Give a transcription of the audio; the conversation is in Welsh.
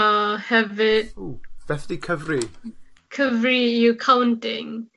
a hefyd... Ww beth 'di cyfri? Cyfri yw counting.